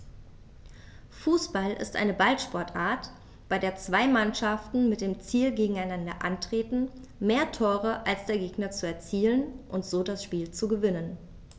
Fußball ist eine Ballsportart, bei der zwei Mannschaften mit dem Ziel gegeneinander antreten, mehr Tore als der Gegner zu erzielen und so das Spiel zu gewinnen.